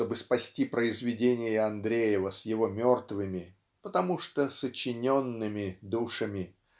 чтобы спасти произведение Андреева с его мертвыми потому что сочиненными душами